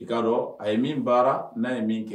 I k'a dɔn a ye min baara n'a ye min kɛ